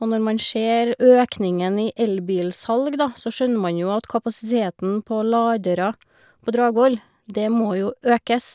Og når man ser økningen i elbilsalg, da, så skjønner man jo at kapasiteten på ladere på Dragvoll, det må jo økes.